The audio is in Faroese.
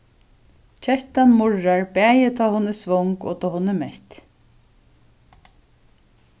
kettan murrar bæði tá hon er svong og tá hon er mett